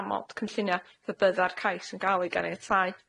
amod cynllunia' pe bydda'r cais yn ga'l ei ganiatáu.